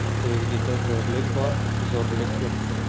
sevgida zorlik bor zo'rlik yo'q